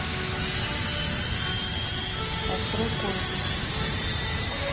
открой поиск